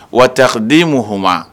Wata di mun h